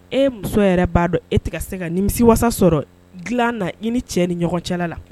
E muso yɛrɛ b'a dɔn e tigɛ se ka nin misi wasa sɔrɔ dilan na i ni cɛ ni ɲɔgɔn cɛla la